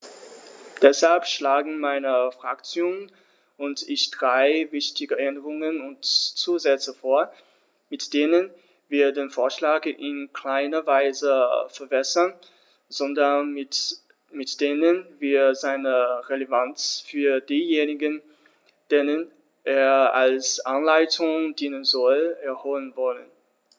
Deshalb schlagen meine Fraktion und ich drei wichtige Änderungen und Zusätze vor, mit denen wir den Vorschlag in keiner Weise verwässern, sondern mit denen wir seine Relevanz für diejenigen, denen er als Anleitung dienen soll, erhöhen wollen.